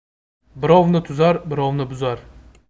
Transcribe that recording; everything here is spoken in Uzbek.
birov tuzar birov buzar